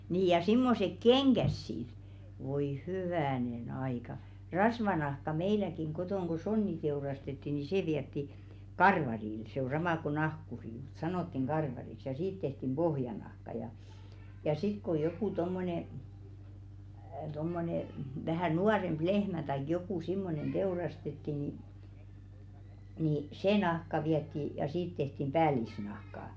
niin ja semmoiset kengät sitten voi hyvänen aika rasvanahka meilläkin kotona kun sonni teurastettiin niin se vietiin karvarille se on sama kuin nahkuri mutta sanottiin karvariksi ja siitä tehtiin pohjanahka ja ja sitten kun joku tuommoinen tuommoinen vähän nuorempi lehmä tai joku semmoinen teurastettiin niin niin se nahka vietiin ja siitä tehtiin päällisnahka